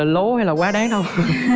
lố hay là quá đáng đâu